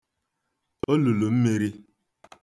olùlù mmīrī